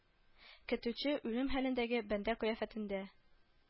Көтүче үлем хәлендәге бәндә кыяфәтендә